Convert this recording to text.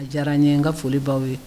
A diyara n ye n ka foli bawaw ye